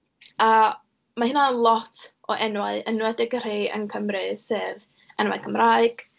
A ma' hynna'n lot o enwau, enwedig y rhei yn Cymru, sef enwau Cymraeg.